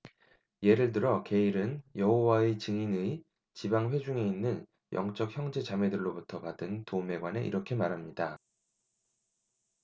예를 들어 게일은 여호와의 증인의 지방 회중에 있는 영적 형제 자매들로부터 받은 도움에 관해 이렇게 말합니다